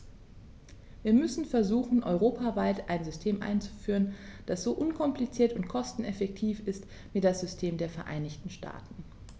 Wir müssen versuchen, europaweit ein System einzuführen, das so unkompliziert und kosteneffektiv ist wie das System der Vereinigten Staaten.